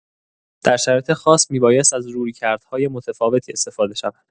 در شرایط خاص می‌بایست از رویکردهای متفاوتی استفاده شود.